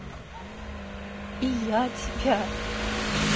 и я тебя